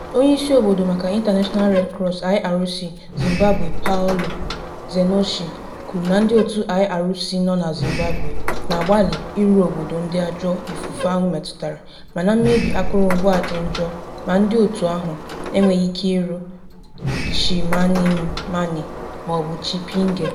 Onyeisi obodo maka International Red Cross (IRC) Zimbabwe Paolo Cernuschi kwuru na ndịòtù IRC nọ na Zimbabwe na-agbalị iru obodo ndị ajọ ifufe ahụ metụtara mana mmebi akụrụngwa dị njọ ma ndịòtù ahụ enweghị ike iru Chimanimani maọbụ Chipinge.